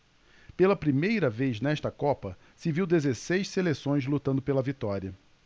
pela primeira vez nesta copa se viu dezesseis seleções lutando pela vitória